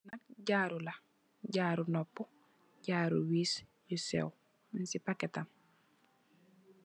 Jaaru la jaaru noppu jaaru wiss yu siw nyon ci paketam.